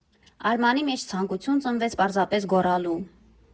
Արմանի մեջ ցանկություն ծնվեց պարզապես գոռալու։